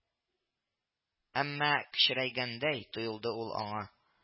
Әмма кечерәйгәндәй тоелды ул аңа